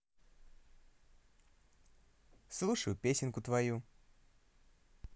слушаю песенку твою